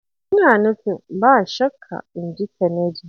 Ina nufin, ba shakka, inji Kennedy.